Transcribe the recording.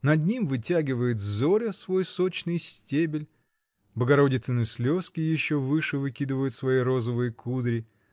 над ним вытягивает зоря свой сочный стебель, богородицыны слезки еще выше выкидывают свои розовые кудри